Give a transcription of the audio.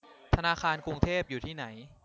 ธนาคารกรุงเทพอยู่ที่ไหน